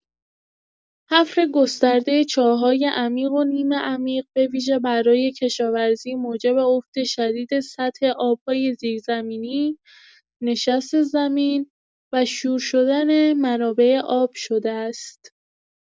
حفر گسترده چاه‌های عمیق و نیمه‌عمیق، به‌ویژه برای کشاورزی، موجب افت شدید سطح آب‌های زیرزمینی، نشست زمین و شور شدن منابع آب شده است.